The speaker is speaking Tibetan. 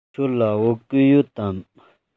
ཁྱོད ལ བོད གོས ཡོད དམ